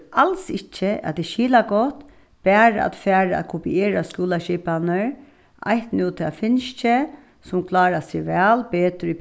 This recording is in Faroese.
als ikki at tað er skilagott bara at fara at kopiera skúlaskipanir eitt nú ta finski sum klárar seg væl betur í